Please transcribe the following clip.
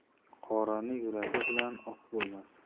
qorani yuvgan bilan oq bo'lmas